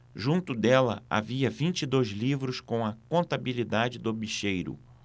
junto dela havia vinte e dois livros com a contabilidade do bicheiro